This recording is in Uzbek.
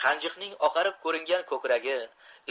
qanjiqning oqarib ko'ringan ko'kragi